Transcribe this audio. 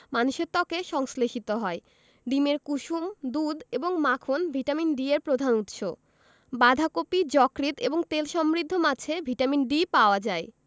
মানুষের ত্বকে সংশ্লেষিত হয় ডিমের কুসুম দুধ এবং মাখন ভিটামিন D এর প্রধান উৎস বাঁধাকপি যকৃৎ এবং তেল সমৃদ্ধ মাছে ভিটামিন D পাওয়া যায়